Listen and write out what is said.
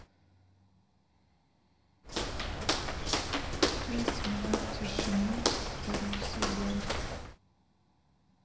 пять минут тишины второй сезон